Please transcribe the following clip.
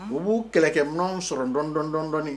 U b'u kɛlɛkɛ ninnuw sɔrɔ dɔn--dɔɔni